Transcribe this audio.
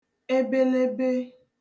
ebelebe